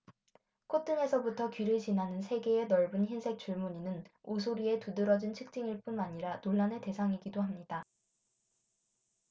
콧등에서부터 귀를 지나는 세 개의 넓은 흰색 줄무늬는 오소리의 두드러진 특징일 뿐 아니라 논란의 대상이기도 합니다